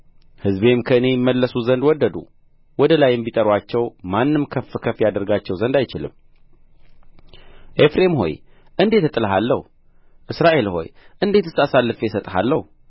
ሕዝቤም ከእኔ ይመለሱ ዘንድ ወደዱ ወደ ላይም ቢጠሩአቸው ማንም ከፍ ከፍ ያደርጋቸው ዘንድ አይችልም ኤፍሬም ሆይ እንዴት እጥልሃለሁ እስራኤል ሆይ እንዴትስ አሳልፌ እሰጥሃለሁ